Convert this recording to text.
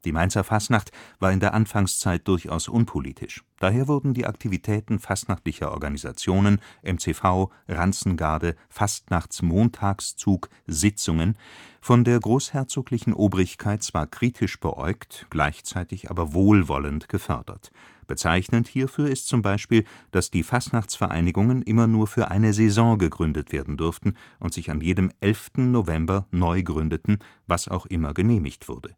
Mainzer Fastnacht war in der Anfangszeit durchaus unpolitisch. Daher wurden die Aktivitäten fastnachtlicher Organisation (MCV, Ranzengarde, Fastnachtsmontagszug, Sitzungen) von der großherzoglichen Obrigkeit zwar kritisch beäugt, gleichzeitig aber wohlwollend gefördert. Bezeichnend hierfür ist zum Beispiel, dass die Fastnachtsvereinigungen immer nur für eine Saison gegründet werden durften, und sich an jedem 11. November neugründeten, was auch immer genehmigt wurde